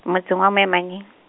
motseng wa Moemaneng .